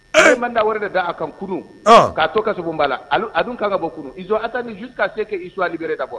E manda wɛrɛ de da aa kan kurun k'a to kasobon b'a la a dun kan ka bɔ kurunzsɔn at ni su ka se kɛ isualeɛrɛ ta bɔ